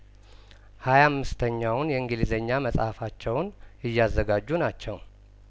ሀያአምስተኛውን የእንግሊዘኛ መጽሀፋቸውን እያዘጋጁ ናቸው